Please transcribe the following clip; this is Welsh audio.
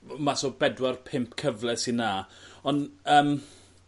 m- mas o bedwar pump cyfle sy 'na on' yym